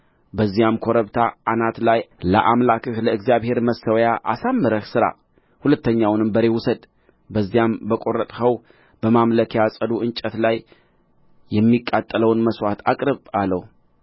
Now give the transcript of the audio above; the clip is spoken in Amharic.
በዚያም ኮረብታ አናት ላይ ለአምላክህ ለእግዚአብሔር መሠዊያ አሳምረህ ሥራ ሁለተኛውንም በሬ ውሰድ በዚያም በቈረጥኸው በማምለኪያ ዐፀዱ እንጨት ላይ የሚቃጠለውን መሥዋዕት አቅርብ አለው